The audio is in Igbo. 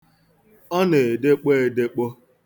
Ọ na-edekpo edekpo.